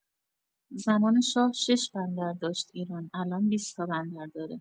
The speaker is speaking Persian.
زمان شاه ۶ بندر داشت ایران الان ۲۰ تا بندر داره